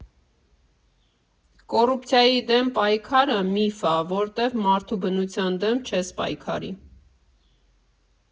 Կոռուպցիայի դեմ պայքարը միֆ ա, որտև մարդու բնության դեմ չես պայքարի։